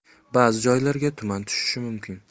ba'zi joylarga tuman tushishi mumkin